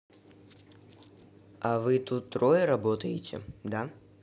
а вы тут трое работаете да